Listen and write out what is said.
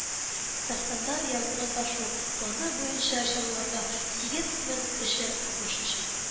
Татарстанда "Язгы ташу" планы буенча чараларда сигез мең кеше катнашачак